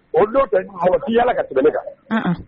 O don o tɛ yaala yaa ka tɛmɛ ne kan.